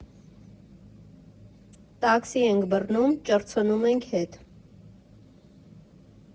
Տաքսի ենք բռնում, ճռցնում ենք հետ։